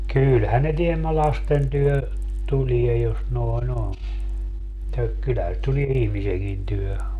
kyllähän ne tiemmä lasten tykö tulee jos noin on mutta kyllähän se tulee ihmisenkin tykö